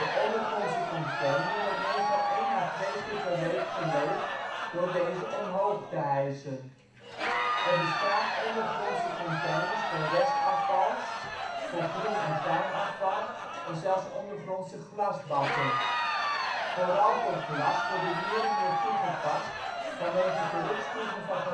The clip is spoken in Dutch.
ondergrondse container wordt meestal 1 à 2 keer per week geleegd door deze omhoog te hijsen. Er bestaan ondergrondse containers voor restafval (grijs), voor groente - en tuinafval (groen) en zelfs ondergrondse glasbakken. Vooral voor glas wordt dit meer en meer toegepast, vanwege terugschroeven van geluidsoverlast